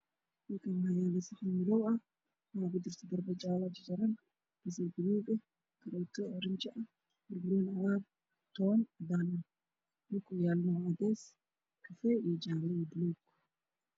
Halkani wax yaalo saxan madow oo ay ku jiraan qudaar sida barado